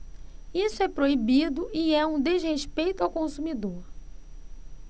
isso é proibido e é um desrespeito ao consumidor